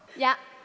dạ